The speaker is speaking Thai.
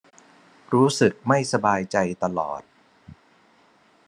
รู้สึกไม่สบายใจตลอด